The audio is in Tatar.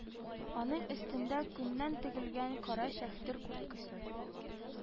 Аның өстендә күннән тегелгән кара шахтер курткасы